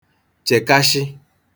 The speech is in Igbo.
chèkashị